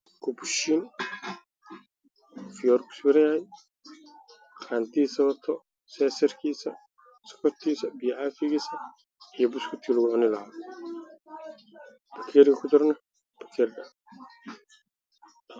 Waa laba saxan oo caddaan wax ku jiro buskud